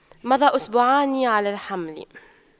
مضى أسبوعان على الحمل